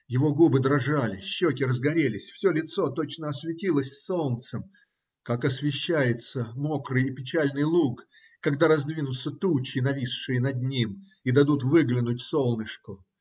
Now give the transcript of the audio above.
Его губы дрожали, щеки разгорелись, все лицо точно осветило солнцем, как освещается мокрый и печальный луг, когда раздвинутся тучи, нависшие над ним, и дадут выглянуть солнышку.